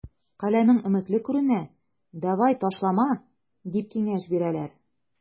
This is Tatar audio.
Каләмең өметле күренә, давай, ташлама, дип киңәш бирәләр.